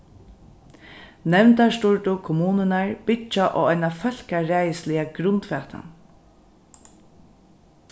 nevndarstýrdu kommunurnar byggja á eina fólkaræðisliga grundfatan